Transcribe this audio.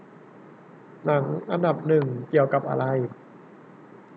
หนังอันดับหนึ่งเกี่ยวกับอะไร